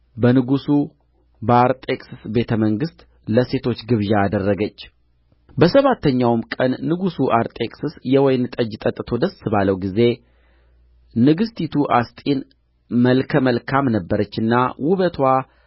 በንጉሡ በአርጤክስስ ቤተ መንግሥት ለሴቶች ግብዣ አደረገች በሰባተኛውም ቀን ንጉሡ አርጤክስስ የወይን ጠጅ ጠጥቶ ደስ ባለው ጊዜ ንግሥቲቱ አስጢን መልከ መልካም ነበረችና ውበትዋ